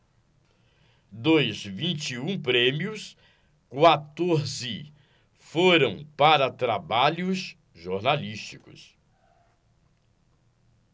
dos vinte e um prêmios quatorze foram para trabalhos jornalísticos